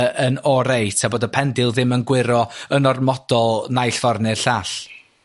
yy yn orêit a bod y pendil ddim yn gwyro yn ormodol naill ffor' neu'r llall?